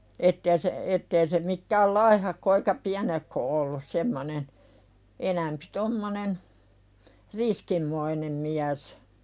että ei se että ei se mitään laihahko eikä pienehkö ollut semmoinen enempi tuommoinen riskinmoinen mies